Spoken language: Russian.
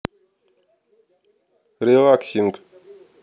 relaxing